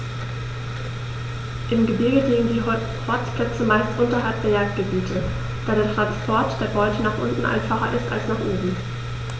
Im Gebirge liegen die Horstplätze meist unterhalb der Jagdgebiete, da der Transport der Beute nach unten einfacher ist als nach oben.